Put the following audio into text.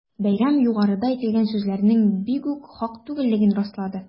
Бәйрәм югарыда әйтелгән сүзләрнең бигүк хак түгеллеген раслады.